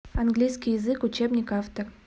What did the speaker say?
английский язык учебник автор